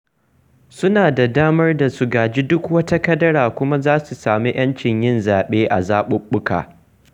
Suna da damar da su gaji duk wata kadara kuma za su sami 'yancin yin zaɓe a zaɓuɓɓuka.